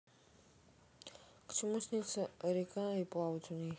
к чему снится река и плавать в ней